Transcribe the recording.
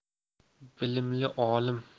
bilimji olim